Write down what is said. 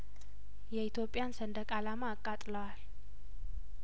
የኢትዮጵያን ሰንደቅ አላማ አቃጥለዋል